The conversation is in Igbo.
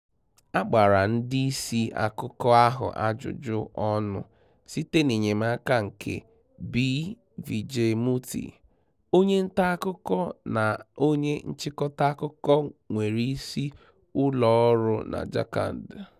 A gbara ndị isi akụkọ ahụ ajụjụ ọnụ site n'enyemaka nke B. Vijay Murty, onye ntaakụkọ na onye nchịkọta akụkọ nwere isi ụlọọrụ na Jharkhand.